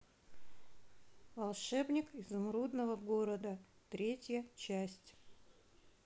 волшебник изумрудного города третья часть